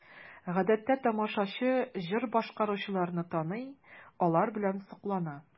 Гадәттә тамашачы җыр башкаручыларны таный, алар белән соклана.